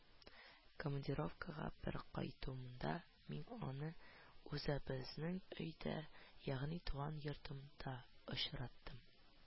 Командировкага бер кайтуымда мин аны үзебезнең өйдә, ягъни туган йортымда очраттым